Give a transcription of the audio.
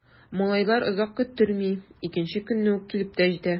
Малайлар озак көттерми— икенче көнне үк килеп тә җитә.